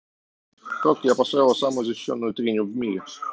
рок я построила самую защищенную треню в мире